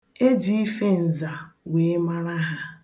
E ji ife nza wee mara ha.